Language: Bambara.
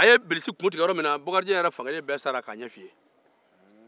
a ye bilisi kun tigɛ yɔrɔ min na bakarijan fan kelen sara k'a ɲɛ fiyen